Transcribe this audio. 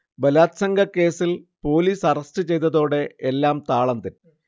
ബലാത്സംഗക്കേസിൽ police arrest ചെയ്തതോടെ എല്ലാം താളം തെറ്റി